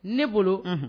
Ne bolo